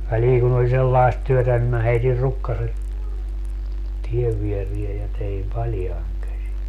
väliin kun oli sellaista työtä niin minä heitin rukkaset tien viereen ja tein paljain käsin